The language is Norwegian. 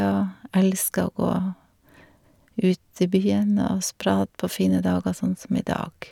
Og elsker å gå ut i byen og sprade på fine dager sånn som i dag.